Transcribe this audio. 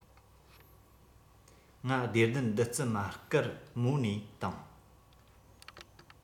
ང བདེ ལྡན བདུད རྩི མ དཀར མོ ནས དང